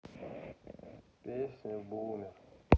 песня бумер